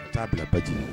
Ta'a bila baji